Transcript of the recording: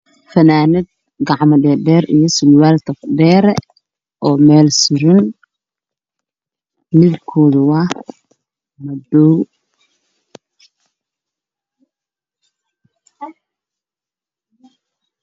Waa funaanad gacmo dheero ah iyo surwaal